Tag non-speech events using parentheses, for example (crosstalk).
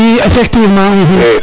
i effectivement (hesitation)